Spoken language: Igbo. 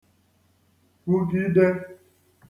kwugide